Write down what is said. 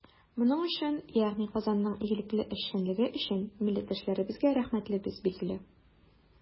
Моның өчен, ягъни Казанның игелекле эшчәнлеге өчен, милләттәшләребезгә рәхмәтлебез, билгеле.